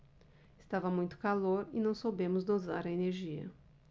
estava muito calor e não soubemos dosar a energia